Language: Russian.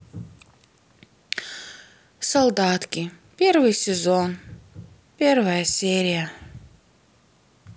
солдатки первый сезон первая серия